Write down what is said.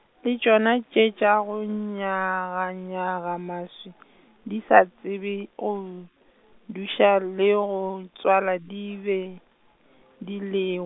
le tšona tše tša go nyaganyaga maswi, di sa tsebe go duša, le go tswala di be, di leo-.